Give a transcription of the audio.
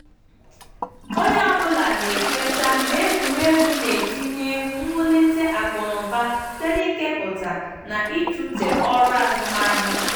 Onye ọbụla na-ekweta na egwuregwu na entinye mwulite akụnụba site na ikepụta na itute ọrụ azụmahịa.